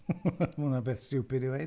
Mae hwnna beth stiwpid i ddweud.